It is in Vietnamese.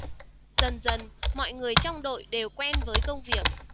dần dần mọi người trong đội đều quen với công việc